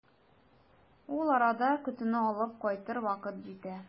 Ул арада көтүне алып кайтыр вакыт җитә.